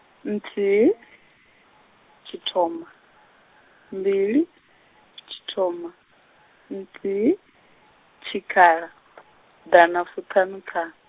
nthihi, tshithoma, mbili, tshithoma, nthihi, tshikhala, danafuthanutha-.